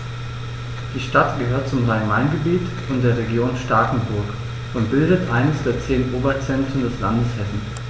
Die Stadt gehört zum Rhein-Main-Gebiet und der Region Starkenburg und bildet eines der zehn Oberzentren des Landes Hessen.